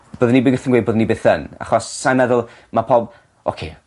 byddwn i byth yn gweud bod ni byth yn achos sai'n meddwl ma' pawb, oce